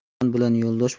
yomon bilan yo'ldosh